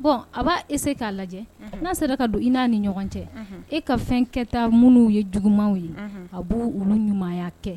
Bɔn a b' e se k'a lajɛ n'a sera ka don i n'a ni ɲɔgɔn cɛ e ka fɛn kɛta minnu ye jugumanw ye a b' olu ɲumanya kɛ